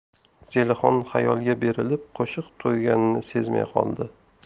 zelixon xayolga berilib qo'shiq tugaganini sezmay qoldi